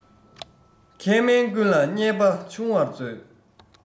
མཁས དམན ཀུན ལ བརྙས པ ཆུང བར མཛོད